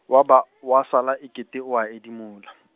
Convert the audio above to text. wa ba , wa sale e kete o a edimola.